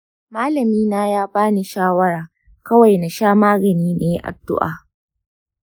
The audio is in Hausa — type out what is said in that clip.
malamina ya bani shawara kawai nasha magani nayi addua.